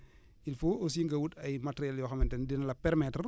il faut aussi nga wut ay matériels yoo xamante ni dina la permettre